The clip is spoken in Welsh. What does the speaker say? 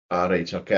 Ah, reit ocê.